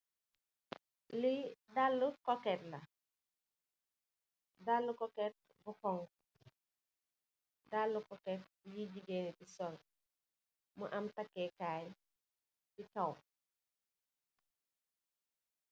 Lii dalë kooket la. Dalë kooket bu xoñxu . Dalë kooket bu jigéen i di sol, mu am ay takee kaay si kow.